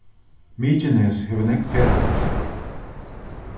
mykines hevur nógv ferðafólk